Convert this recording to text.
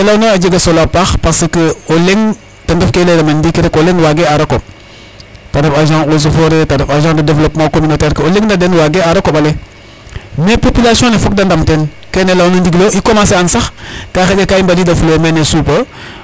Ke layoona a jega solo a paax parce que o leŋ ten rek ke layna mene ndiiki rek o leŋ waagee aar a koƥ ta ref agent eaux et foret ta ref agent de développement communautaire ke .o leŋ waagee aar a koƥ ale mais population ne fok da ndam teen kene layoona ndigilo i commencer and sax ka xaƴa ka i mbadidafule mene Supa